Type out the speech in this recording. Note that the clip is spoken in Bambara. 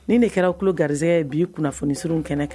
Ni de kɛra ku garisɛgɛ bini kunnafoni s kɛnɛ kɛ